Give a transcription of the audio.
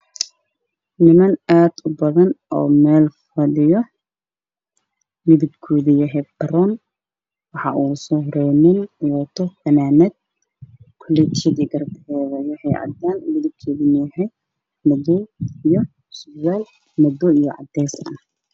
Meeshan waxaa joogo oo fadhiyaan niman badan nin kugu soo horeeyo waxaa ujeedka saaran raashid